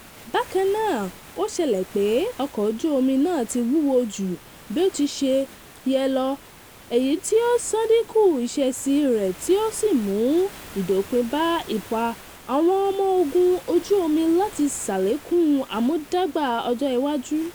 Bákan náà, ó ṣelẹ̀ pé ọkọ̀ ojú omi náà ti wúwo ju bí ó ṣe yẹ lọ èyí tí ó ṣàdínkù ìṣesí rẹ̀ tí ó sì mú ìdópín bá ìpa Àwọn ọmọ ogun ojú omi láti ṣàlékún àmúdágbà ọjọ́ iwájú.